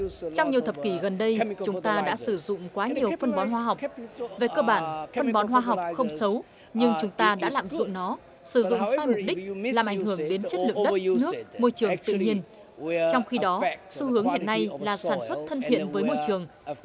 trong nhiều thập kỷ gần đây chúng ta đã sử dụng quá nhiều phân bón hóa học về cơ bản phân bón hóa học không xấu nhưng chúng ta đã lạm dụng nó sử dụng sai mục đích làm ảnh hưởng đến chất lượng đất nước môi trường tự nhiên trong khi đó xu hướng hiện nay là sản xuất thân thiện với môi trường